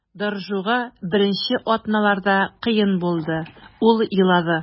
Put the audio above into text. Доржуга беренче атналарда кыен булды, ул елады.